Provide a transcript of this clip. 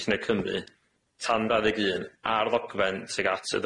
cyllune Cymru tan ddau ddeg un a'r ddogfen tuag at y